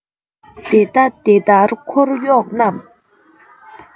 དེ ལྟ དེ ལྟར འཁོར གཡོག རྣམས